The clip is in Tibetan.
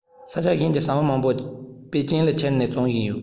ས ཆ གཞན ཀྱི བྱང བུ མང པོ པེ ཅིན ལ ཁྱེར ནས བཙོང བཞིན ཡོད